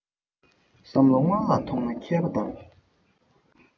བསམ བློ སྔོན ལ ཐོངས ན མཁས པ དང